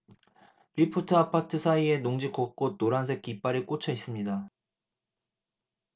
리포트 아파트 사이의 농지 곳곳 노란색 깃발이 꽂혀 있습니다